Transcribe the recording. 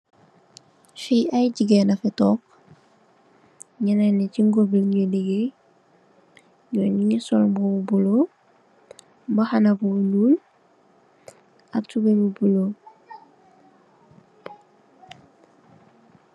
Fi ay jigèen nafi toog, nyenen yi chi gour bi la ni legaay num nungi sol mbuba bu bulo, mbahana bu ñuul ak tubeye bu bulo.